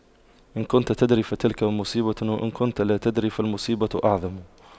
إذا كنت تدري فتلك مصيبة وإن كنت لا تدري فالمصيبة أعظم